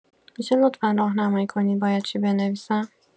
می‌شه لطفا راهنمایی کنید باید چی بنویسم؟